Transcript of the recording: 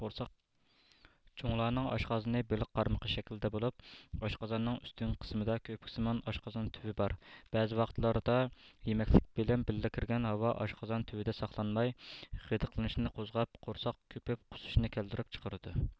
چوڭلارنىڭ ئاشقازىنى بېلىق قارمىقى شەكلىدە بولۇپ ئاشقازاننىڭ ئۈستۈنكى قىسمىدا كۆپۈكسىمان ئاشقازان تۈۋى بار بەزى ۋاقىتلاردا يېمەكلىك بىلەن بىللە كىرگەن ھاۋا ئاشقازان تۈۋىدە ساقلانماي غىدىقلىنىشىنى قوزغاپ قورساق كۆپۈپ قۇسۇشنى كەلتۈرۈپ چىقرىدۇ